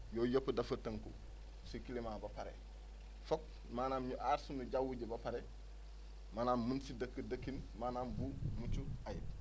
yooyu yëpp dafa tënku si climat ba pare foog maanaam ñu aar suñu jaww ji ba pare maanaam mun si dëkk dëkkin maanaam bu mucc ayib